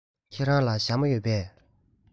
ཁྱེད རང ལ ཞྭ མོ ཡོད པས